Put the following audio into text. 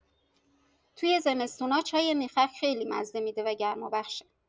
توی زمستونا، چای میخک خیلی مزه می‌ده و گرمابخشه.